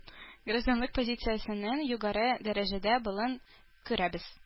Гражданлык позициясенең югары дәрәҗәдә булуын күрәбез